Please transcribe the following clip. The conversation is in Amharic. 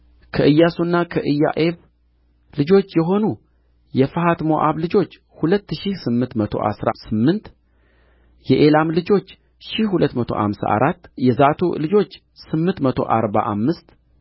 ከኢያሱና ከኢዮአብ ልጆች የሆኑ የፈሐት ሞዓብ ልጆች ሁለት ሺህ ስምንት መቶ አሥራ ስምንት የኤላም ልጆች ሺህ ሁለት መቶ አምሳ አራት የዛቱዕ ልጆች ስምንት መቶ አርባ አምስት